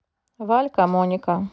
валь камоника